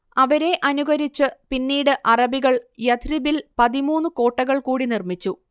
അവരെ അനുകരിച്ചു പിന്നീട് അറബികൾ യഥ്രിബിൽ പതിമൂന്നു കോട്ടകൾ കൂടി നിർമ്മിച്ചു